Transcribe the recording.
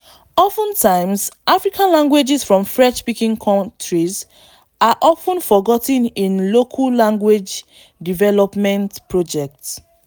Oftentimes, African languages from French-speaking countries are often forgotten in local language development projects.